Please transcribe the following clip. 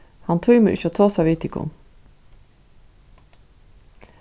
hann tímir ikki at tosa við tykum